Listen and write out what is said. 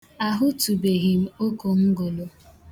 Ahụtụbeghị m okongolo.